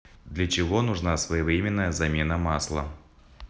для чего нужна своевременная замена масла